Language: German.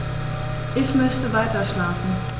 Ich möchte weiterschlafen.